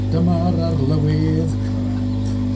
Dyma'r arlywydd crap.